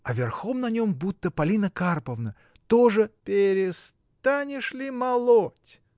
— А верхом на нем будто Полина Карповна, тоже. — Перестанешь ли молоть?